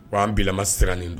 Wa an bilama siran nin don